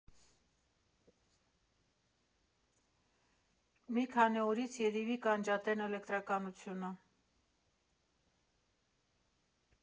Մի քանի օրից երևի կանջատեն էլեկտրականությունը։